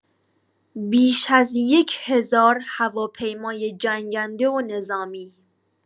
بیش از یک هزار هواپیمای جنگنده و نظامی